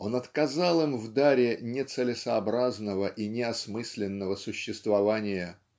он отказал им в даре нецелесообразного и неосмысленного существования.